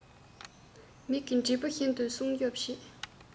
མིག གི འབྲས བུ བཞིན དུ སྲུང སྐྱོབ བྱས